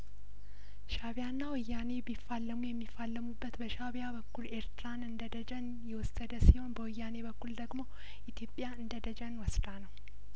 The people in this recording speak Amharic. ሻእቢያና ወያኔ ቢፋለሙ የሚፋለሙት በሻእቢያ በኩል ኤርትራን እንደደጀን የወሰደ ሲሆን በወያኔ በኩል ደግሞ ኢትዮጵያ እንደ ደጀን ወስዳ ነው